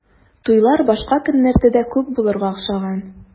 Туйлар башка көннәрдә дә күп булырга охшаган.